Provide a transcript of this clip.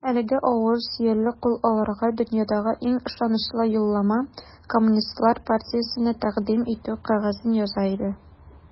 Әлеге авыр, сөялле кул аларга дөньядагы иң ышанычлы юллама - Коммунистлар партиясенә тәкъдим итү кәгазен яза иде.